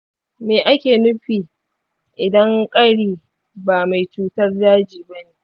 me ake nufi idan ƙari ba mai cutar daji ba ne?